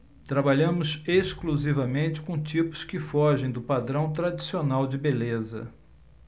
trabalhamos exclusivamente com tipos que fogem do padrão tradicional de beleza